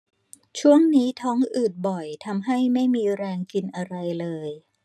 ช่วงนี้ท้องอืดบ่อยทำให้ไม่มีแรงกินอะไรเลย